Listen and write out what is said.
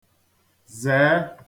zèe